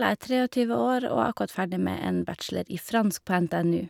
Jeg er treogtyve år og er akkurat ferdig med en bachelor i fransk på NTNU.